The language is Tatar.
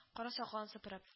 Кара сакалын сыпырып